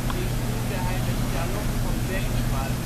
1810 huwde hij met Charlotte van Denemarken (1789-1864